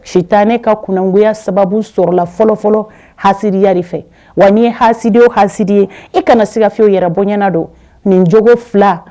Sitan ne ka kungoya sababu sɔrɔ la fɔlɔfɔlɔ haya de fɛ wa n ye hadenw ha ye e kana na siga fiyew yɛrɛ bɔyana don nin jogo fila